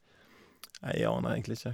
Nei, jeg aner egentlig ikke.